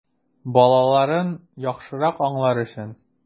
Балаларын яхшырак аңлар өчен!